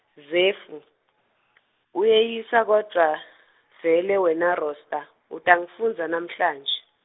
Zefu, uyeyisa kodvwa , vele wena Rosta, utangifundza namhla nje.